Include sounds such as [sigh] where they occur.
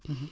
[hesitation] [hesitation]